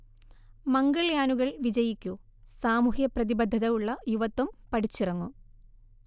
മംഗൾയാനുകൾ വിജയിക്കൂ, സാമൂഹ്യ പ്രതിബദ്ധത ഉള്ള യുവത്വം പഠിച്ചിറങ്ങൂ